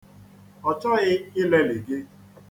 Ọ chọghị ileli gị.